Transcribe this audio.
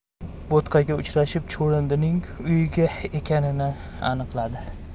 bo'tqaga uchrashib chuvrindining uyida ekanini aniqladi